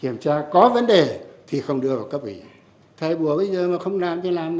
kiểm tra có vấn đề thì không đưa vào cấp ủy thời buổi bây giờ mà không làm thì làm